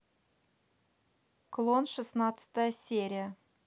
клон шестнадцатая серия